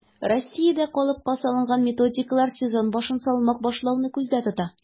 Россиядә калыпка салынган методикалар сезон башын салмак башлауны күздә тота: